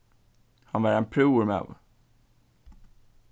hann var ein prúður maður